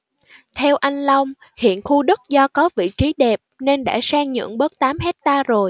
theo anh long hiện khu đất do có vị trí đẹp nên đã sang nhượng bớt tám ha rồi